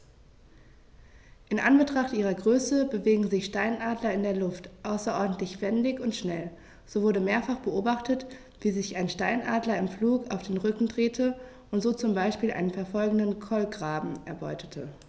In Anbetracht ihrer Größe bewegen sich Steinadler in der Luft außerordentlich wendig und schnell, so wurde mehrfach beobachtet, wie sich ein Steinadler im Flug auf den Rücken drehte und so zum Beispiel einen verfolgenden Kolkraben erbeutete.